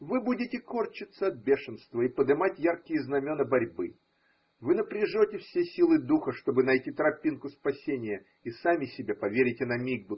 Вы будете кор читься от бешенства и подымать яркие знамена борьбы, вы напряжете все силы духа, чтобы найти тропинку спасения, и сами себе поверите на миг.